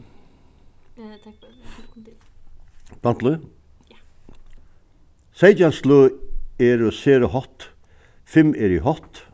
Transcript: plantulív seytjan sløg eru sera hótt fimm eru hótt